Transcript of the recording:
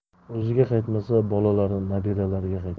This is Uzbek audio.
o'ziga qaytmasa bolalari nabiralariga qaytadi